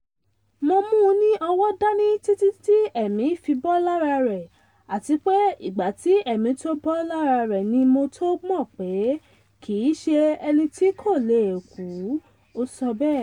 "Mó mú ní ọ̀wọ́ dání títí tí ẹ̀mí fi bọ́ lára rẹ̀ àtipé ìgbà tí ẹ̀mí tó bọ́ lára rẹ̀ ni mó tó mọ̀ pé kìíṣe ẹní tí kó lé kú,” ó sọ bẹ́ẹ̀.